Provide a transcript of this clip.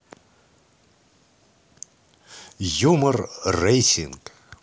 юмор racing